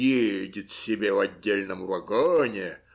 Едет себе в отдельном вагоне